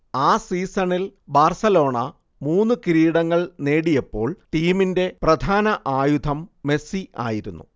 ആ സീസണിൽ ബാർസലോണ മൂന്ന് കിരീടങ്ങൾ നേടിയപ്പോൾ ടീമിന്റെ പ്രധാന ആയുധം മെസ്സി ആയിരുന്നു